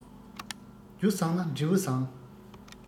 རྒྱུ བཟང ན འབྲས བུ བཟང